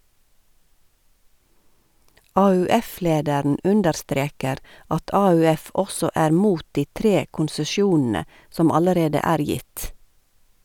AUF-lederen understreker at AUF også er mot de tre konsesjonene som allerede er gitt.